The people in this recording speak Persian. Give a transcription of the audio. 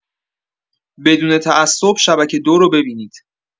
بدون تعصب شبکه ۲ رو ببینید.